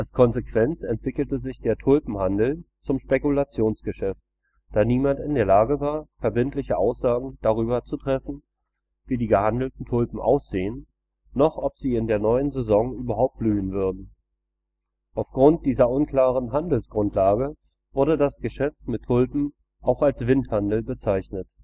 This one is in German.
Konsequenz entwickelte sich der Tulpenhandel zum Spekulationsgeschäft, da niemand in der Lage war, verbindliche Aussagen darüber zu treffen, wie die gehandelten Tulpen aussehen, noch ob sie in der neuen Saison überhaupt blühen würden. Aufgrund dieser unklaren Handelsgrundlage wurde das Geschäft mit Tulpen auch als windhandel bezeichnet